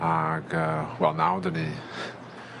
ag yy wel nawr 'dan ni